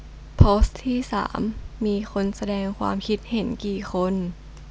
โพสต์ที่สามมีคนแสดงความคิดเห็นกี่คน